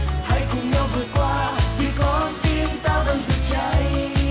hãy cùng nhau vượt qua vì con tim ta vẫn rực cháy